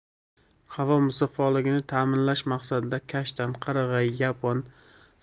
havo musaffoligini ta'minlash maqsadida kashtan qarag'ay yapon